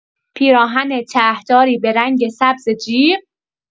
پیراهن طرح‌داری به رنگ سبز جیغ